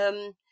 Yym.